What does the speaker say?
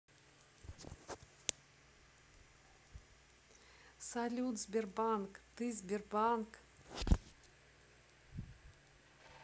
салют сбербанк ты сбербанк